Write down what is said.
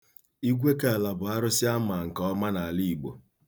Igwekaala bụ arụsị a ma nke ọma n'ala Igbo.